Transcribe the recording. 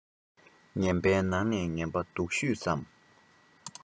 ངན པའི ནང ནས ངན པ སྡུག ཤོས སམ